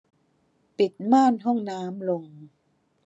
ปิดม่านห้องน้ำลง